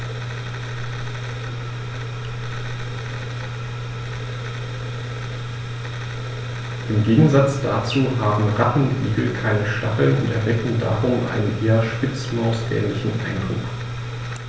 Im Gegensatz dazu haben Rattenigel keine Stacheln und erwecken darum einen eher Spitzmaus-ähnlichen Eindruck.